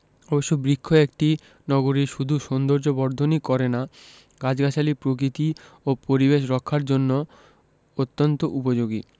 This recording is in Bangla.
অবশ্য বৃক্ষ একটি নগরীর শুধু সৌন্দর্যবর্ধনই করে না গাছগাছালি প্রকৃতি ও পরিবেশ রক্ষার জন্যও অত্যন্ত উপযোগী